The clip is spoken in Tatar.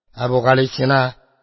Әбүгалисина: